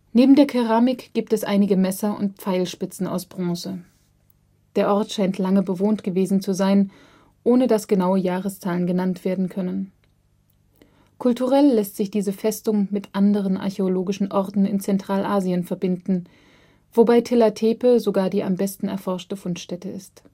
Neben der Keramik gibt es einige Messer und Pfeilspitzen aus Bronze. Der Ort scheint lange bewohnt gewesen zu sein, ohne dass genaue Jahreszahlen genannt werden können. Kulturell lässt sich diese Festung mit anderen archäologischen Orten in Zentralasien verbinden, wobei Tilla Tepe sogar die am besten erforschte Fundstätte ist